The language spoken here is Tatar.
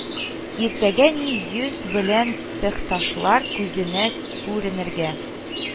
Иртәгә ни йөз белән цехташлар күзенә күренергә